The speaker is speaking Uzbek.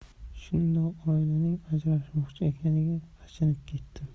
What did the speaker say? shundoq oilaning ajrashmoqchi ekaniga achinib ketdim